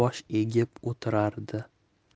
bosh egib o'tirardi